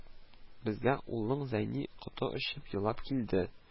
Безгә улың Зәйни коты очып елап килде